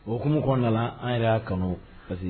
Okumu kɔn nana an yɛrɛ'a kanu parce que